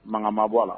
Mankanga maabɔ a la